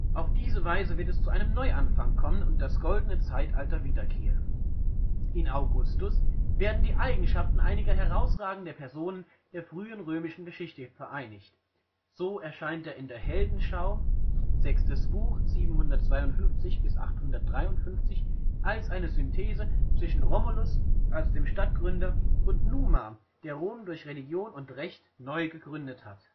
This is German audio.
Auf diese Weise wird es zu einem Neuanfang kommen und das Goldene Zeitalter wiederkehren. In Augustus werden die Eigenschaften einiger herausragender Personen der frühen römischen Geschichte vereinigt: So erscheint er in der Heldenschau (VI 752 – 853) als eine Synthese zwischen Romulus als dem Stadtgründer und Numa, der Rom durch Religion und Recht „ neu “gegründet hat